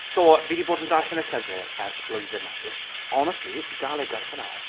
so fi 'di bod yn darllen y llyfr ers blwyddyn nawr, honestly, fi dal heb gorffen e.